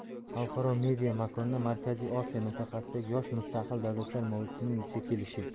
xalqaro media makonda markaziy osiyo mintaqasidagi yosh mustaqil davlatlar mavzusining vujudga kelishi